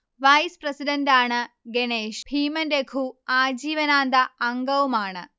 vice പ്രസിഡന്റാണ് ഗണേശ്, ഭീമൻരഘു ആജീവനാന്ത അംഗവുമാണ്